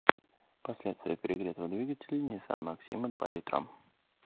последствия перегретого двигателя ниссан максима два литра